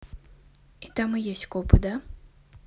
и там и есть копы да